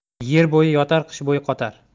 yoz bo'yi yotar qish bo'yi qotar